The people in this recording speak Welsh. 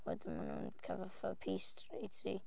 Wedyn mae nhw'n cael fatha peace treaty.